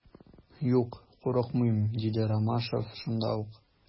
Юк, курыкмыйм, - диде Ромашов шунда ук.